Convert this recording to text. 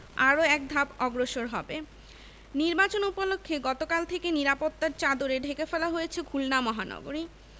আরো একধাপ অগ্রসর হবে নির্বাচন উপলক্ষে গতকাল থেকে নিরাপত্তার চাদরে ঢেকে ফেলা হয়েছে খুলনা মহানগরী